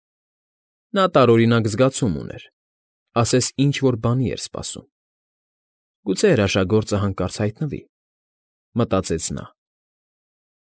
Նա տարօրինակ զգացում ուներ, ասես ինչ֊որ բանի էր սպասում։ «Գուցե հրաշագործը հանկարծ հայտնվի»,֊ մտածեց նա։